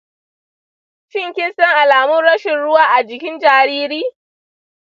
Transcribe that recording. shin kin san alamun rashin ruwa a jikin jariri?